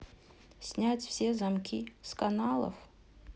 снять все замки с каналов